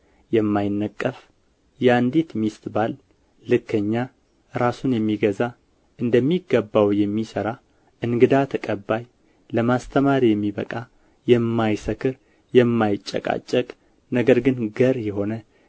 የማይነቀፍ የአንዲት ሚስት ባል ልከኛ ራሱን የሚገዛ እንደሚገባው የሚሰራ እንግዳ ተቀባይ ለማስተማር የሚበቃ የማይሰክር የማይጨቃጨቅ ነገር ግን ገር የሆነ